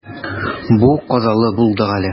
Зур казалы булдык әле.